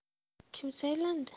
kim saylandi